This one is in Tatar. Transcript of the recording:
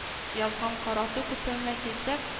Язган карасу күперенә килсәк